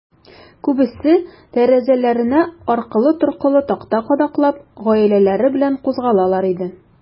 Күбесе, тәрәзәләренә аркылы-торкылы такта кадаклап, гаиләләре белән кузгалалар иде.